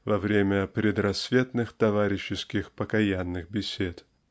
во время предрассветных товарищеских покаянных бесед.